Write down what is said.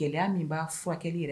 Gɛlɛya min b'a furakɛli yɛrɛ